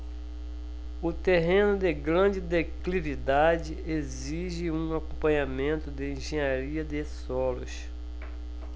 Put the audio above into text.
o terreno de grande declividade exige um acompanhamento de engenharia de solos